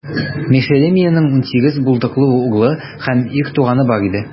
Мешелемиянең унсигез булдыклы углы һәм ир туганы бар иде.